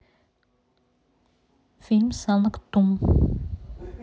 фильм санктум